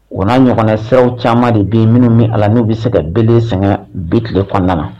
O n'a ɲɔgɔn siraw caman de bɛ minnu min a n'u bɛ se ka bere sɛgɛn bi tilefananan na